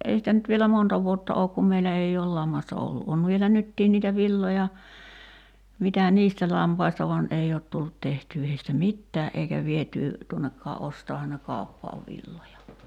ei sitä nyt vielä monta vuotta ole kun meillä ei ole lammasta ollut on vielä nytkin niitä villoja mitä niistä lampaista vaan ei ole tullut tehtyä heistä mitään eikä vietyä tuonnekaan ostaahan ne kauppaan villoja